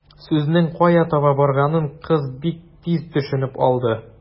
Сүзнең кая таба барганын кыз бик тиз төшенеп алды.